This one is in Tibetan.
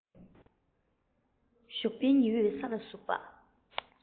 ཞོགས པའི ཉི འོད ས ལ ཟུག པ